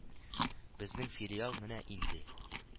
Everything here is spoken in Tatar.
Безнең филиал менә инде